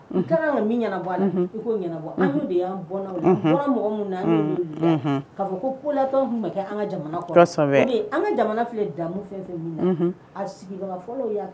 Ka min ɲɛnabɔ i ko ɲɛnabɔ de'an bɔn mɔgɔ minnu na ka fɔ ko kola kɛ an ka an ka jamana filɛ damu fɛn fɛn min a sigi fɔlɔ y'